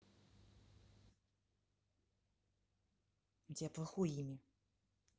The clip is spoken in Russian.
у тебя плохое имя